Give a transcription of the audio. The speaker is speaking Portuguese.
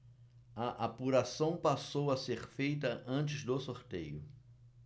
a apuração passou a ser feita antes do sorteio